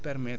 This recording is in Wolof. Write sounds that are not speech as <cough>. <hesitation> <hesitation>